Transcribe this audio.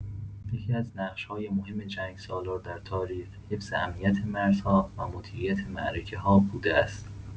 یکی‌از نقش‌های مهم جنگ‌سالار در تاریخ، حفظ امنیت مرزها و مدیریت معرکه‌ها بوده است.